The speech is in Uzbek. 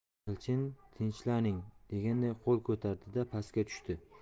elchin tinchlaning deganday qo'l ko'tardi da pastga tushdi